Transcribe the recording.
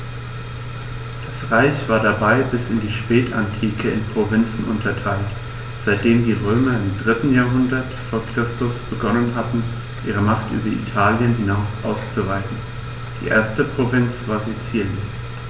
Das Reich war dabei bis in die Spätantike in Provinzen unterteilt, seitdem die Römer im 3. Jahrhundert vor Christus begonnen hatten, ihre Macht über Italien hinaus auszuweiten (die erste Provinz war Sizilien).